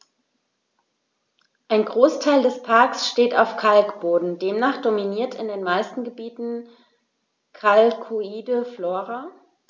Ein Großteil des Parks steht auf Kalkboden, demnach dominiert in den meisten Gebieten kalkholde Flora.